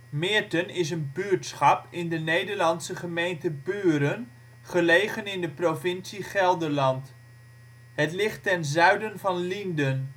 Meerten is een buurtschap in de Nederlandse gemeente Buren, gelegen in de provincie Gelderland. Het ligt ten zuiden van Lienden